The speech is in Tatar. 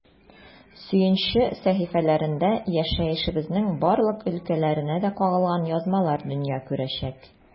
“сөенче” сәхифәләрендә яшәешебезнең барлык өлкәләренә дә кагылган язмалар дөнья күрәчәк.